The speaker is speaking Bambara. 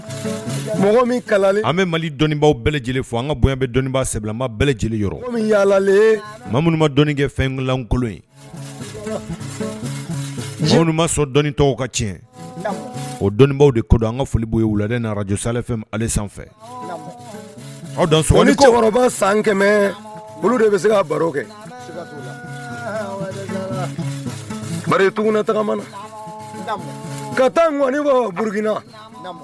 An mali dɔnnibaw ka yaa dɔnni kɛ fɛnlankolon tɔw ka tiɲɛ o dɔnnibaww de ko an ka foli ye wulaj sa cɛkɔrɔba san kɛmɛ bɛ se baro kɛ taga na taa bkina